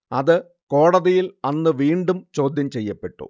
അത് കോടതിയിൽ അന്ന് വീണ്ടും ചോദ്യം ചെയ്യപ്പെട്ടു